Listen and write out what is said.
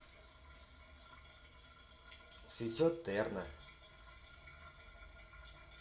цветет терна